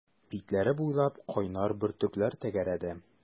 Битләре буйлап кайнар бөртекләр тәгәрәде.